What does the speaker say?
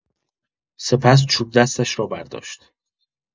سپس چوب‌دستش را برداشت.